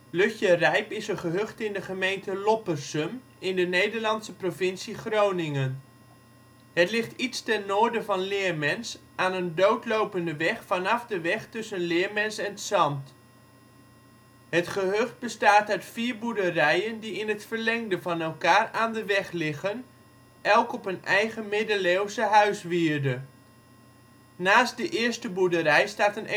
Lutjerijp is een gehucht in de gemeente Loppersum in de Nederlandse provincie Groningen. Het ligt iets ten noorden van Leermens aan een doodlopende weg vanaf de weg tussen Leermens en ' t Zandt. Het gehucht bestaat uit vier boerderijen die in het verlengde van elkaar aan de weg liggen, elk op een eigen middeleeuwse huiswierde. Naast de eerste boerderij staat een